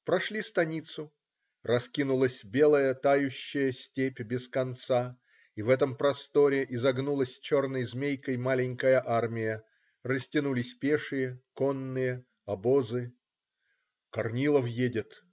Прошли станицу - раскинулась белая, тающая степь без конца, и в этом просторе изогнулась черной змейкой маленькая армия, растянулись пешие, конные, обозы. "Корнилов едет!